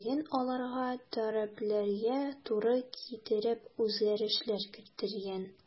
Бүген аларга таләпләргә туры китереп үзгәрешләр кертелгән.